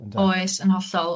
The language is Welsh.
Oes, yn hollol.